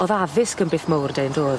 O'dd addysg yn beth mowr 'dy 'i yndodd?